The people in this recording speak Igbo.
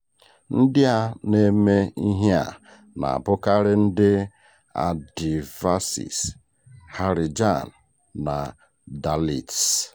Ndị a na-eme ihe na abụkarị ndị Adivasis, Harijan na Dalits.